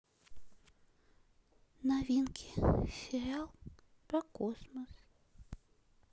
новинки сериал про космос